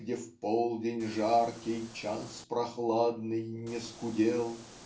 где в полдень жаркий Час прохладный не скудел.